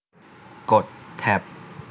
กดแท็บ